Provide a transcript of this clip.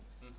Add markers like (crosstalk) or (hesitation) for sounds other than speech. (hesitation) (hesitation)